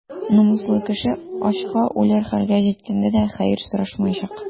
Намуслы кеше ачка үләр хәлгә җиткәндә дә хәер сорашмаячак.